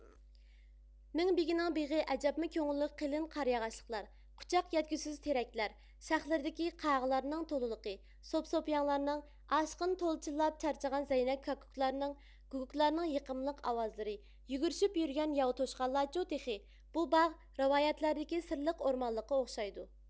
مىڭبېگىنىڭ بېغى ئەجەبمۇ كۆڭۈللۈك قېلىن قارىياغاچلىقلار قۇچاق يەتكۈسىز تېرەكلەر شاخلىرىدىكى قاغىلارنىڭ تولىلىقى سوپىسوپىياڭلارنىڭ ئاشىقىنى تولا چىللاپ چارچىغان زەينەپ كاككۇكلارنىڭ گۇگۇكلارنىڭ يېقىملىق ئاۋازلىرى يۈگۈرۈشۈپ يۈرگەن ياۋا توشقانلارچۇ تېخى بۇ باغ رىۋايەتلەردىكى سىرلىق ئورمانلىققا ئوخشايدۇ